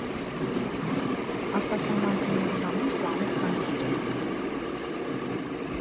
Արտասահմանցիների համար սա մեծ խնդիր է.